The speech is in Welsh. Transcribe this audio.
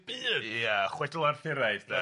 Ia chwedl Arthuraidd de.